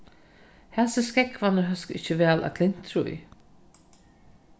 hasir skógvarnir hóska ikki væl at klintra í